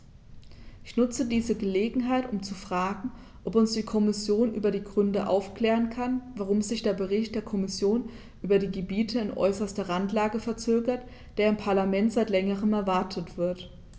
Ich nutze diese Gelegenheit, um zu fragen, ob uns die Kommission über die Gründe aufklären kann, warum sich der Bericht der Kommission über die Gebiete in äußerster Randlage verzögert, der im Parlament seit längerem erwartet wird.